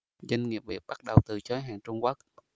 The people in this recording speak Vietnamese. doanh nghiệp việt bắt đầu từ chối hàng trung quốc